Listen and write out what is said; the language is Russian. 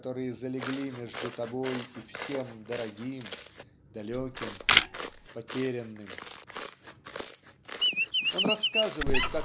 которые залегли между тобой и всем дорогим далеким потерянным". Он рассказывает